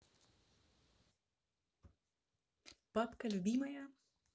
папка любимая